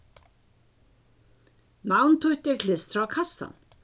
navn títt er klistrað á kassan